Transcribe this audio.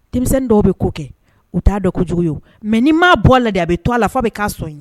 Denmisɛn dɔw bɛ ko kɛ u t'a dɔn kojugu ye mais n'i m'a bɔ a la , a bɛ to a la fɔ bɛ k'a sɔn ye.